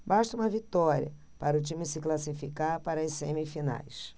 basta uma vitória para o time se classificar para as semifinais